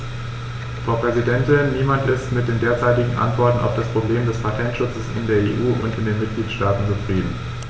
Frau Präsidentin, niemand ist mit den derzeitigen Antworten auf das Problem des Patentschutzes in der EU und in den Mitgliedstaaten zufrieden.